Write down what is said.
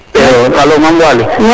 alo Mame Waly